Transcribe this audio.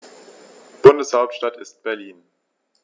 Bundeshauptstadt ist Berlin.